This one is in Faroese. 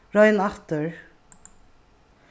royn aftur